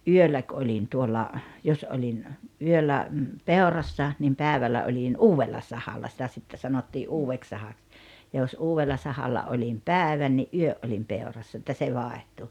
yöllä - olin tuolla jos olin yöllä Peurassa niin päivällä olin Uudella Sahalla sitä sitten sanottiin Uudeksi Sahaksi ja jos Uudella Sahalla olin päivän niin yö olin Peurassa että se vaihtui